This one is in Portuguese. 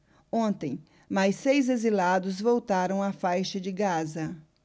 ontem mais seis exilados voltaram à faixa de gaza